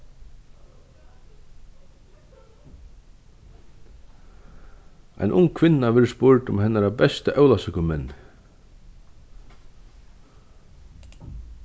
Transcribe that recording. ein ung kvinna verður spurd um hennara besta ólavsøkuminni